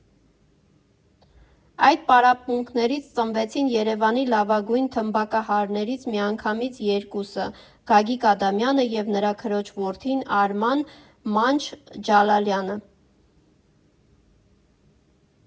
Այդ պարապմունքներից ծնվեցին Երևանի լավագույն թմբկահարներից միանգամից երկուսը՝ Գագիկ Ադամյանը և նրա քրոջ որդին՝ Արման «Մանչ» Ջալալյանը։